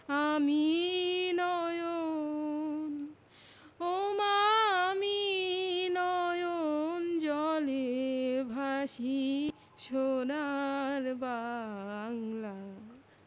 আমি নয়ন ওমা আমি নয়ন জলে ভাসি সোনার বাংলা